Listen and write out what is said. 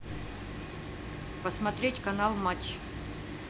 посмотреть канал матч